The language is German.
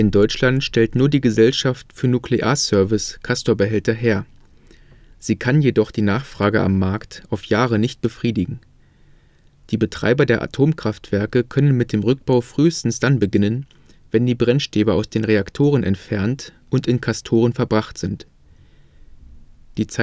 Deutschland stellt nur die Gesellschaft für Nuklear-Service Castor-Behälter her. Sie kann jedoch die Nachfrage am Markt auf Jahre nicht befriedigen. Die Betreiber der Atomkraftwerke können mit dem Rückbau frühestens dann beginnen, wenn die Brennstäbe aus den Reaktoren entfernt und in Castoren verbracht sind: „ Im